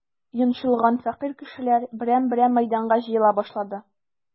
Йончылган, фәкыйрь кешеләр берәм-берәм мәйданга җыела башлады.